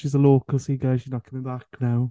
She's a local see guys, she's not coming back now.